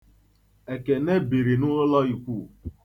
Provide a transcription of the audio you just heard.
Ekene biri n'ụlọikwuu.